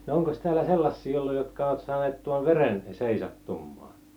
no onkos täällä sellaisia ollut jotka ovat saaneet tuon veren seisahtumaan